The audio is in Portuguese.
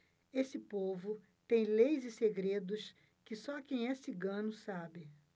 esse povo tem leis e segredos que só quem é cigano sabe